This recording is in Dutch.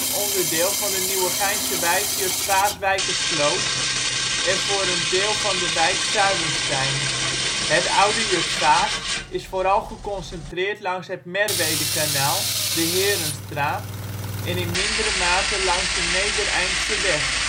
onderdeel van de Nieuwegeinse wijk Jutphaas-Wijkersloot en voor een deel van de wijk Zuilenstein. Het oude Jutphaas is vooral geconcentreerd langs het Merwedekanaal (Herenstraat) en in mindere mate langs de Nedereindseweg